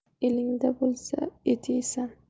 elingda bo'lsa et yeysan